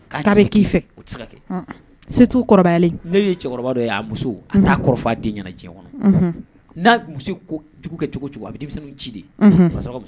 Ka kɛ setu kɔrɔbaya n'o ye cɛkɔrɔbadɔ ye a muso a ta kɔrɔ a den ɲɛna diɲɛ kɔnɔ n'a muso jugu kɛ cogo cogo a bɛ denmisɛn ci de